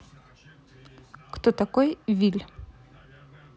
кто такой will